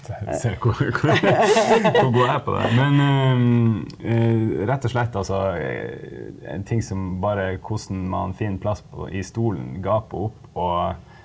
ser hvor hvor hvor god jeg er på det, men rett og slett altså en ting som bare hvordan man finner plass på i stolen gaper opp og.